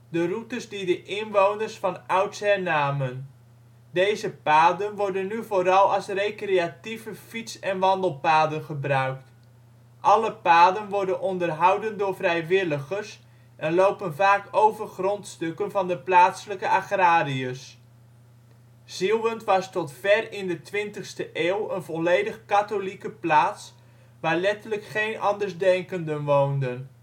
de routes die de inwoners van oudsher namen. Deze paden worden nu vooral als recreatieve fiets - en wandelpaden gebruikt. Alle paden worden onderhouden door vrijwilligers en lopen vaak over grondstukken van de plaatselijke agrariërs. Zieuwent was tot ver in de 20e eeuw een volledig katholieke plaats, waar letterlijk geen andersdenkenden woonden